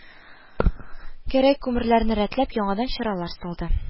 Гәрәй күмерләрне рәтләп, яңадан чыралар салды